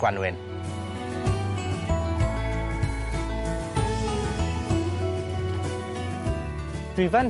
Gwanwyn. Dwi fan